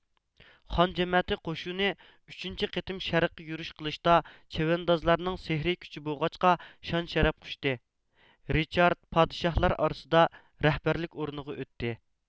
خان جەمەتى قوشۇنى ئۈچىنچى قېتىم شەرققە يۈرۈش قىلىشتا چەۋەندازلارنىڭ سېھرىي كۈچى بولغاچقا شان شەرەپ قۇچتى رىچارد پادىشاھلار ئارىسىدا رەھبەرلىك ئورنىغا ئۆتتى